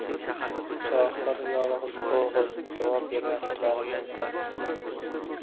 tohir yolg'iz o'g'il javob bermasliklari mumkin